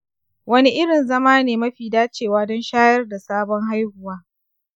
wani irin zama ne mafi dacewa don shayar da sabon haihuwa?